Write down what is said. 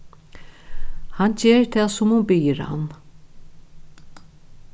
hann ger tað sum hon biður hann